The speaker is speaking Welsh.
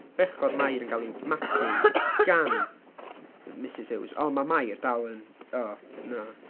Bechod Mair yn cael ei magu gan Mrs Huws ond mae Mair dal yn o na.